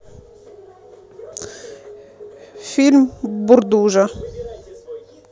фильмы бурдужа